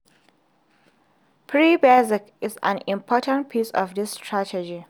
Free Basics is an important piece of this strategy.